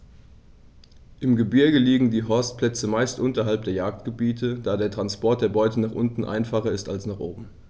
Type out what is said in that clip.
Im Gebirge liegen die Horstplätze meist unterhalb der Jagdgebiete, da der Transport der Beute nach unten einfacher ist als nach oben.